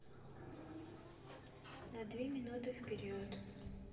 на две минуты вперед